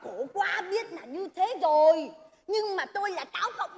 khổ quá biết là như thế rồi nhưng mà tôi